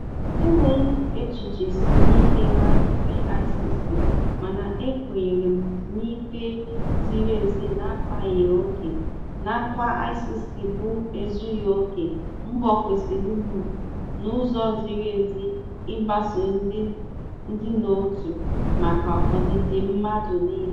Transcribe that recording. Enweghị m echiche siri ike banyere ICC, mana e kwenyere m n'ikpe ziri ezi n'akpaghị oke, nakwa ICC bụ (ezughị oke) mbọ kwesịrị nụ n'ụzọ ziri ezi ịgbaso idi n'otu, maka ọdịdị mmadụ niile.